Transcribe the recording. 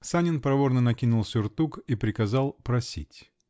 Санин проворно накинул сюртук и приказал "просить".